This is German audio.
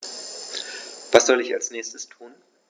Was soll ich als Nächstes tun?